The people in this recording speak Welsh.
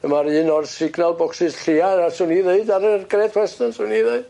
Dyma'r un o'r signal bocsys lleia a swn i ddeud ar yr Gret Western swn i'n ddeud.